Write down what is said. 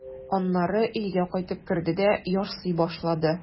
Аннары өйгә кайтып керде дә ярсый башлады.